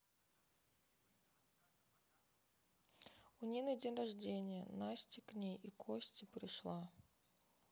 у нины день рождения насти к ней и кости пришла